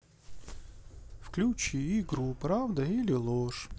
включи игру правда или ложь